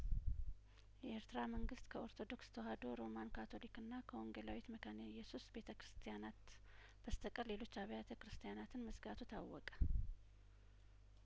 የኤርትራ መንግስት ከኦርቶዶክስ ተዋህዶ ሮማን ካቶሊክና ከወንጌላዊት መካነ ኢየሱስ ቤተክርስቲያናት በስተቀር ሌሎች አብያተ ክርስትያናትን መዝጋቱ ታወቀ